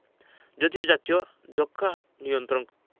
যদিও জাতীয় যক্ষ্মা নিয়ন্ত্রণ